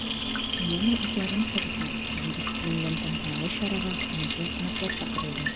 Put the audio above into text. “мега утларын кабыза” дип исемләнгән тантаналы чарага хөрмәтле кунаклар чакырылды.